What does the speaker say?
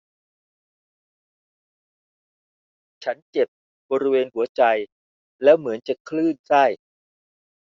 ฉันเจ็บบริเวณหัวใจแล้วเหมือนจะคลื่นไส้